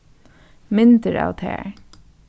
myndir av tær